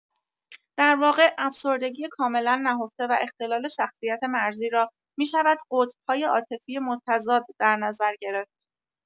در واقع افسردگی کاملا نهفته و اختلال شخصیت مرزی را می‌شود قطب‌های عاطفی متضاد در نظر گرفت.